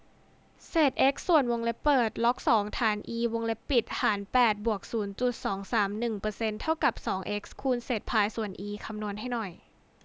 เศษเอ็กซ์ส่วนวงเล็บเปิดล็อกสองฐานอีวงเล็บปิดหารแปดบวกศูนย์จุดสองสามหนึ่งเปอร์เซ็นต์เท่ากับสองเอ็กซ์คูณเศษพายส่วนอีคำนวณให้หน่อย